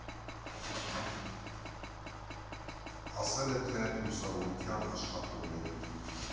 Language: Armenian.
Ասել է թե՝ լուսավորության աշխատողների։